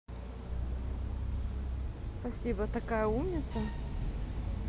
спасибо такая умница